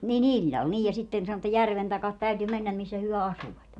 niin illalla niin ja sitten sanoi että järven taakse täytyi mennä missä he asuivat